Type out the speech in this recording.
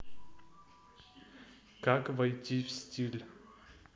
как войти в стиль